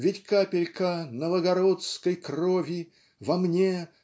Ведь капелька новогородской крови Во мне